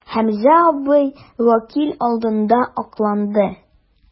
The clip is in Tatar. Хәмзә абый вәкил алдында акланды.